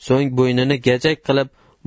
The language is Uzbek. so'ng bo'ynini gajak qilib